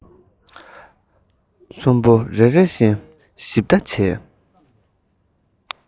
གསུམ པོ རེ རེ བཞིན ཞིབ ལྟ བྱས